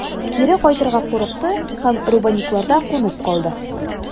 Кире кайтырга курыкты һәм Рубанюкларда кунып калды.